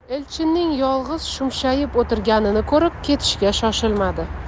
elchinning yolg'iz shumshayib o'tirganini ko'rib ketishga shoshilmadi